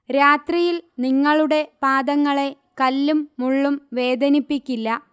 രാത്രിയിൽ നിങ്ങളുടെ പാദങ്ങളെ കല്ലും മുള്ളും വേദനിപ്പിക്കില്ല